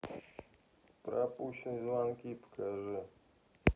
пропущенные звонки покажи